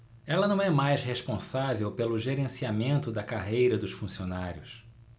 ela não é mais responsável pelo gerenciamento da carreira dos funcionários